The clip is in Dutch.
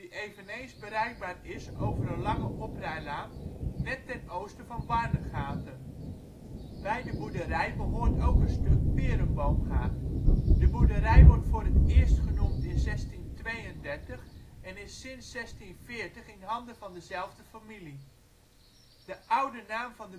eveneens bereikbaar is over een lange oprijlaan, net ten oosten van Barnegaten. Bij de boerderij behoort ook een stuk perenboomgaard. De boerderij wordt voor het eerst genoemd in 1632 en is sinds 1640 in handen van dezelfde familie. De oude naam van